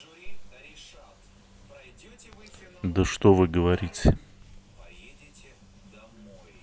да что вы говорите